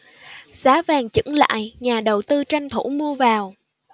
giá vàng chững lại nhà đầu tư tranh thủ mua vào